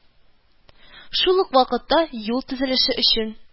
Шул ук вакытта юл төзелеше өчен